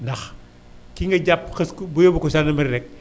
ndax ki nga jàpp xas ko ba yóbbu ko gendarmerie rek